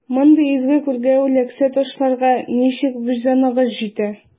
Мондый изге күлгә үләксә ташларга ничек вөҗданыгыз җитә?